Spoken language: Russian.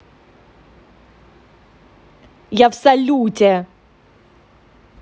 я в салюте